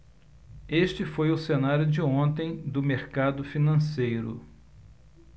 este foi o cenário de ontem do mercado financeiro